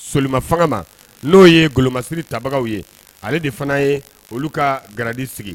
Solima fangama n'o ye golomasi tabagaw ye ale de fana ye olu ka garidi sigi